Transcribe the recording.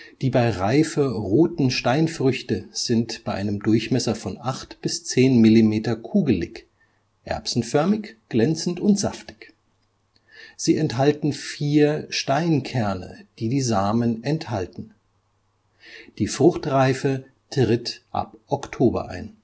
Die bei Reife roten Steinfrüchte sind bei einem Durchmesser von 8 bis 10 mm kugelig, erbsenförmig, glänzend und saftig. Sie enthalten vier Steinkerne, die die Samen enthalten. Die Fruchtreife tritt ab Oktober ein